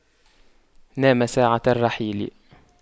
نام ساعة الرحيل